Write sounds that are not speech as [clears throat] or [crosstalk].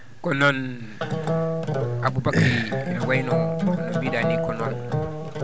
ko noon Aboubacry [clears throat] ne wayi no no mbiɗaa ni ko noon